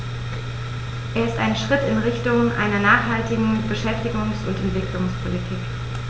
Er ist ein Schritt in Richtung einer nachhaltigen Beschäftigungs- und Entwicklungspolitik.